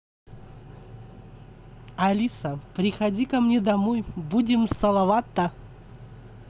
алиса приходи ко мне домой будем салавата